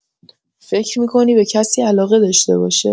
فکر می‌کنی به کسی علاقه داشته باشه؟